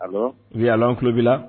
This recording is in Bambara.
N yan tulobi